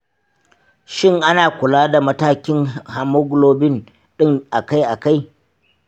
shin ana kula da matakin haemoglobin ɗin akai akai?